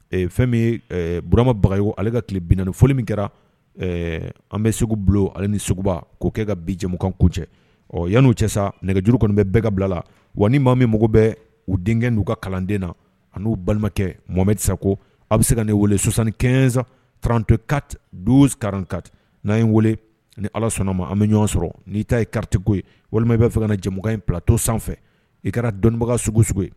Fɛn min buramabagay ale ka tile binna ni foli min kɛra an bɛ segu bila ale ni suguba'o kɛ ka bin jɛmukan ko cɛ ɔ yanni' cɛ sa nɛgɛjuru kɔni bɛ bɛɛ ka bila la wa ni maa min mago bɛ u denkɛ n'u ka kalanden na ani n'u balimakɛ momɛtisa ko a bɛ se ka ne weele sonsan kɛsan tranto ka don karanka n' n weele ni ala sɔnna ma an bɛ ɲɔgɔn sɔrɔ n'i ta ye karatatiko walima bɛ fɛ ka jamakan in pto sanfɛ i kɛra dɔnnibaga sugu sugu